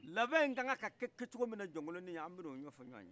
labɛn in ka kan kɛ kɛcogo min na jonkolonin yan an bɛna o ɲɛfɔ ɲɔgɔn ye